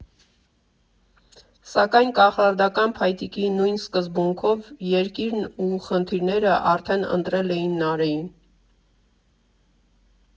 Սակայն կախարդական փայտիկի նույն սկզբունքով՝ երկիրն ու խնդիրներն արդեն ընտրել են Նարէին։